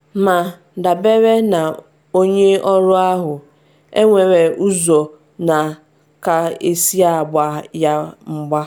Ma, dabere na onye ọrụ ahụ, enwere ụzọ na ka-esi agba ya mgba.